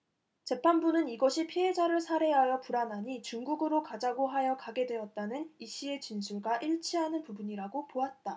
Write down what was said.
재판부는 이것이 피해자를 살해하여 불안하니 중국으로 가자고 하여 가게 되었다는 이씨의 진술과 일치하는 부분이라고 보았다